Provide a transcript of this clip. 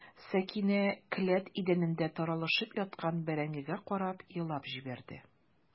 Сәкинә келәт идәнендә таралышып яткан бәрәңгегә карап елап җибәрде.